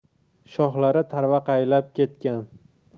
shoxlari tarvaqaylab ketgan